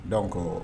Don ko